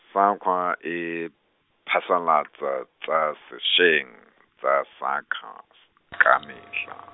SAQA e, phasalatsa tsa sešeng, tsa SAQA, ka metlha.